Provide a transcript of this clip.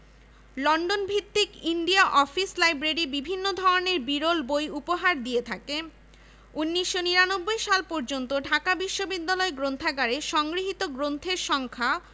London ভিত্তিক India office library বিভিন্ন ধরনের বিরল বই উপহার দিয়ে থাকে ১৯৯৯ সাল পর্যন্ত ঢাকা বিশ্ববিদ্যালয় গ্রন্থাগারে সংগৃহীত গ্রন্থের সংখ্যা